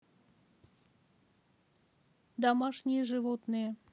домашние животные